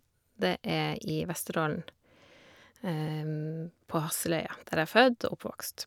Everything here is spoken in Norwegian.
Det er i Vesterålen, på Hasseløya, der jeg er født og oppvokst.